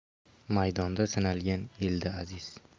maydonda sinalgan elda aziz